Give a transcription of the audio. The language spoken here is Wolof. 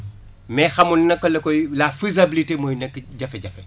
mais xamul naka la koy la faisabilité mooy nekk jafe-jafe